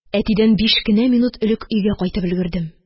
Әтидән биш кенә минут элек өйгә кайтып өлгердем.